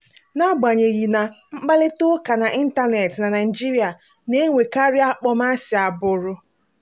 N'agbanyeghị na, mkparịtaụka n'ịntaneetị na Naịjirịa na-enwekarị akpọmasị agbụrụ.